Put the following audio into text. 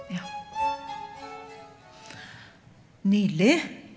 ja nydelig.